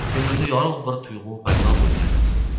ko'nglida yorug' bir tuyg'u paydo bo'lganini sezdi